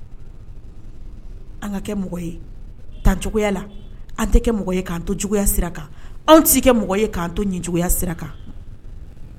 An ka kɛ mɔgɔ ye ta cogoyaya la an tɛ kɛ an to juguyaya sira kan anw tɛ kɛ mɔgɔ k'an to ɲɛ juguyaya sira kan